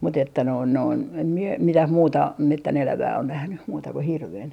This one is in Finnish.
mutta että noin noin en minä mitään muuta metsänelävää ole nähnyt muuta kuin hirven